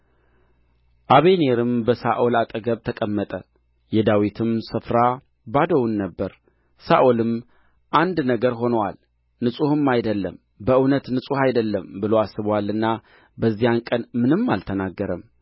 አበኔርም በሳኦል አጠገብ ተቀመጠ የዳዊትም ስፍራ ባዶውን ነበረ ሳኦልም አንድ ነገር ሆኖአል ንጹሕም አይደለም በእውነት ንጹሕ አይደለም ብሎ አስቦአልና በዚያን ቀን ምንም አልተናገረም